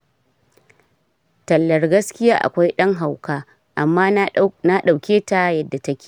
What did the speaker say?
tallar gaskiya akwai dan hauka amma na dauke ta yadda ta ke.